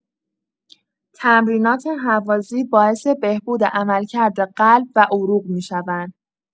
تمرینات هوازی باعث بهبود عملکرد قلب و عروق می‌شوند.